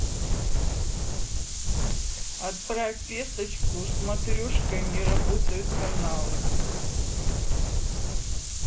отправь весточку смотрешка не работают каналы